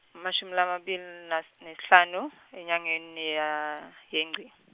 emashumi lamabili na, nesihlanu, enyangeni ya, yeNgci.